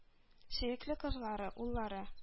Сөекле кызлары, уллары.